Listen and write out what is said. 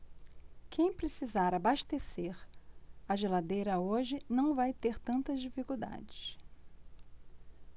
quem precisar abastecer a geladeira hoje não vai ter tantas dificuldades